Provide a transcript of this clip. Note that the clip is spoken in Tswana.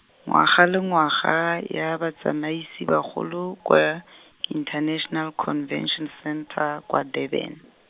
ngwaga le ngwaga ya batsamaisi bagolo kwa, International Convention Centre kwa Durban.